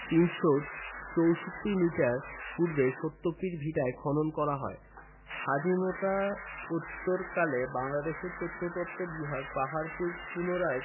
৩৬৪ metre পূর্বে সত্যপীর ভিটায় খনন করা হয় স্বাধীনতাত্তোরকালে বাংলাদেশের প্রত্নতত্ত্ব বিভাগ পাহাড়পুর পুনরায়